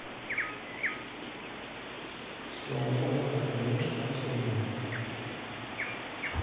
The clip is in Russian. все можно конечно все можно